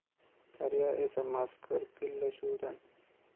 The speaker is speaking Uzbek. daryo esa mazkur bellashuvdan